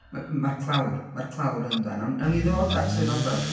m- mae'r clawr, mae'r clawr yn dda. Nawn ni ddod at y nofal.